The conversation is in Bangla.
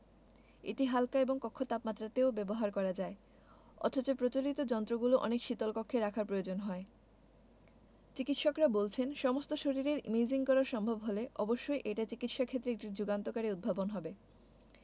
এটি হাল্কা এবং কক্ষ তাপমাত্রাতেও ব্যবহার করা যায় অথচ প্রচলিত যন্ত্রগুলো অনেক শীতল কক্ষে রাখার প্রয়োজন হয় চিকিত্সকরা বলছেন সমস্ত শরীরের ইমেজিং করা সম্ভব হলে অবশ্যই এটা চিকিত্সাক্ষেত্রে একটি যুগান্তকারী উদ্ভাবন হবে